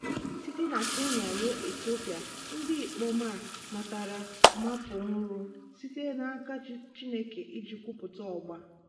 Site na Kenya ruo Etiopia, ndị ikom a natara maapụ nrọ sitere n'aka Chineke iji gwupụta ọgba